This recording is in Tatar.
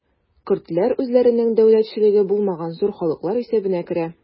Көрдләр үзләренең дәүләтчелеге булмаган зур халыклар исәбенә керә.